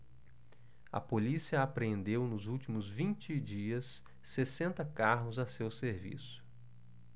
a polícia apreendeu nos últimos vinte dias sessenta carros a seu serviço